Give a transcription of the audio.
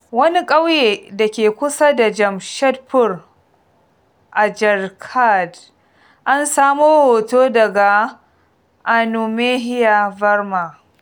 Wani ƙauye da ke kusa da Jamshedpur a Jharkhand. An samo hoto daga Anumeha Verma